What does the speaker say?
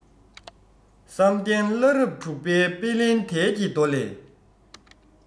བསམ གཏན བླ རབས དྲུག པའི དཔེ ལེན དལ གྱི མདོ ལས